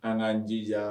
An k'an jija